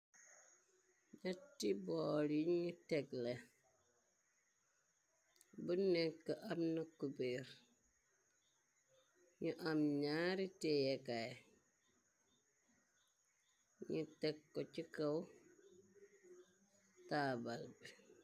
Netti bool yung teglé bu nekk am na kubiir ñu am ñaari téyékaay ñi tegko ci kaw taabal bi.